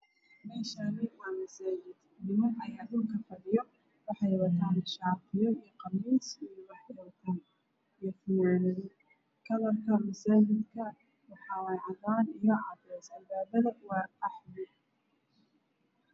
Meeshaan waa masaajid niman ayaa dhulka fadhiyo waxay wataan shaatiyo iyo qamiisyo iyo fanaanad. Kalarka masaajidka waa cadaan iyo cadeys albaabkuna waa qaxwi.